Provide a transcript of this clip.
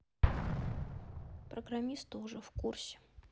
программисты уже в курсе